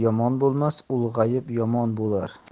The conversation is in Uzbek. bo'lmas ulg'ayib yomon bo'lar